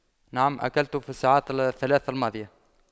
نعم أكلت في الساعات الثلاث الماضية